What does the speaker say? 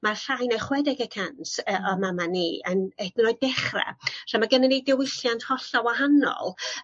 ma' llai na chwedeg y cant yy o'n mama ni yn 'yd yn oed dechra. <twtian* So ma' gennon ni diwylliant hollol wahanol